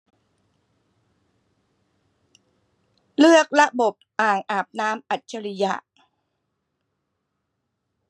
เลือกระบบอ่างอาบน้ำอัจฉริยะ